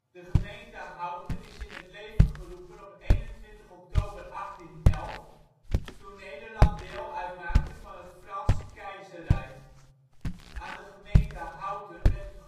De gemeente Houten is in het leven geroepen op 21 oktober 1811, toen Nederland deel uitmaakte van het Franse Keizerrijk. Aan de gemeente Houten werd het